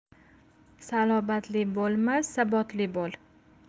salobatli bo'lma sabotli bo'l